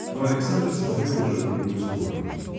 Но Александр смотрел уже в другую сторону.